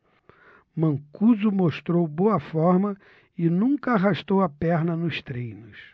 mancuso mostrou boa forma e nunca arrastou a perna nos treinos